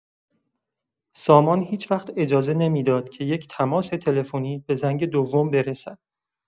سامان هیچ‌وقت اجازه نمی‌داد که یک تماس تلفنی به زنگ دوم برسد.